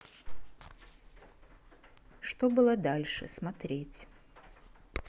что было дальше смотреть